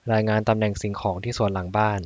รายงานตำแหน่งสิ่งของที่สวนหลังบ้าน